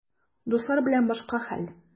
Дуслар белән башка хәл.